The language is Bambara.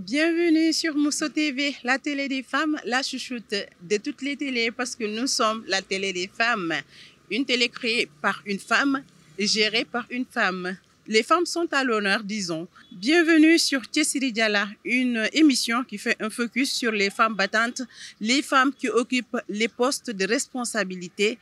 Diɲɛ2inimusotebi latli de fa lasusu tɛ dettutitelenye pa que n sɔn lat de fama n t panfama zere pa panfa fa' lna dison diɲɛf cɛsirija la i i misisiyɔn'fɛ fɛ suurlifan ba tan fa okip ps derepsabi tɛ